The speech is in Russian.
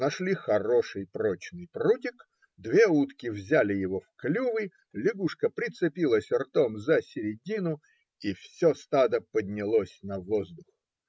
Нашли хороший, прочный прутик, две утки взяли его в клювы, лягушка прицепилась ртом за середину, и все стадо поднялось на воздух.